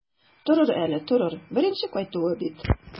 Торыр әле, торыр, беренче кайтуы бит.